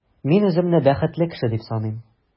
Мин үземне бәхетле кеше дип саныйм.